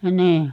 niin